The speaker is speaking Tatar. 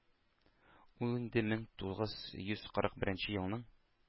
Ул инде мең тугыз йөз кырык беренче елның